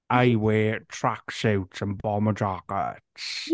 I wear tracksuits and bomber jackets.